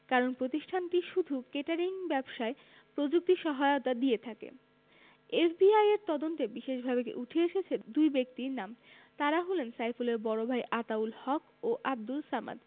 কারণ প্রতিষ্ঠানটি শুধু কেটারিং ব্যবসায় প্রযুক্তি সহায়তা দিয়ে থাকে এফবিআইয়ের তদন্তে বিশেষভাবে উঠে এসেছে দুই ব্যক্তির নাম তাঁরা হলেন সাইফুলের বড় ভাই আতাউল হক ও আবদুল সামাদ